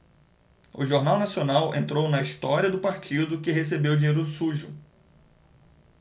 o jornal nacional entrou na história do partido que recebeu dinheiro sujo